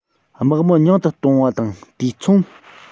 དམག མི ཉུང དུ གཏོང བ དང དུས མཚུངས